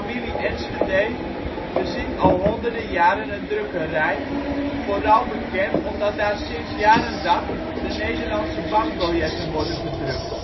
Enschedé bezit al honderden jaren een drukkerij, vooral bekend omdat daar sinds jaar en dag de Nederlandse bankbiljetten worden gedrukt